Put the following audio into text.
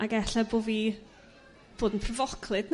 Ag e'lle bo' fi fod yn pryfoclyd